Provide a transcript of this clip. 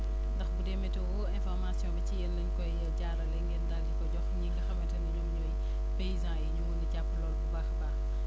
ndax bu dee météo information bi ci yéen la ñu koy jaarale ngeen daal di ko jox ñi nga xamante ne ñoom ñooy paysans yi ñu mun a jàpp loolu bu baax a baax